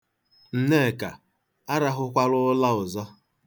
Nneka, arahụkwala ụra ọzọ.